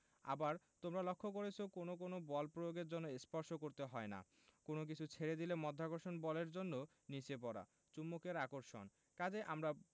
আবার তোমরা লক্ষ করেছ কোনো কোনো বল প্রয়োগের জন্য স্পর্শ করতে হয় না কোনো কিছু ছেড়ে দিলে মাধ্যাকর্ষণ বলের জন্য নিচে পড়া চুম্বকের আকর্ষণ কাজেই আমরা